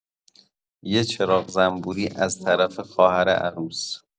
یه چراغ زنبوری از طرف خواهر عروس